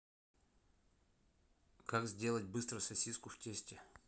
как сделать быстро сосиску в тесте